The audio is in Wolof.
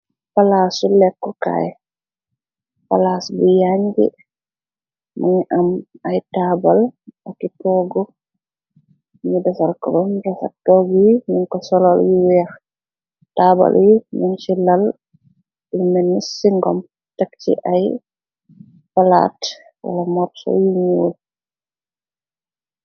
Palaas yu lekkukaay , palaas bi yañ gi mëni am ay taabal aki toggu , nu defera ko bem bahk, toog yi ninko solal yu weex , taabal yi nin ci lal yu mënis ci ngom tëk ci ay palaat, wala morso yu muul.